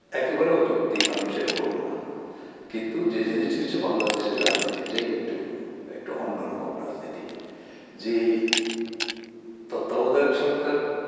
একেবারে অযৌক্তিক আমি সেটা বলবো না কিন্তু যে জিনিসটা হচ্ছে বাংলাদেশের রাজনীতিটাই একটু অন্যরকম রাজনীতি যেই তত্ত্বাবধায়ক সরকার